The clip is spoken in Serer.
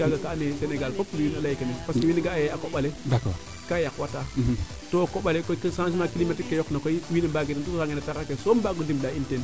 kaaga ka ande Senegal fop mbi'un a leye kene parce que wiin we nga'a ye a koɓale ka yaqwa taa to a koɓale changement climatique ke yoq na koy wiin we mbaage teen tus raageer na taxar ke soon ten soom mbangu ndimla in teen